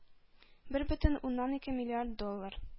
Бер бөтен уннан ике миллиард доллар.